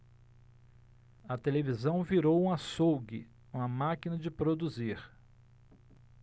a televisão virou um açougue uma máquina de produzir